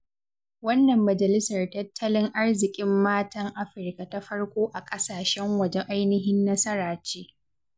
Wannan Majalisar Tattalin Arzikin Matan Afirka ta farko a ƙasashen waje ainihin nasara ce.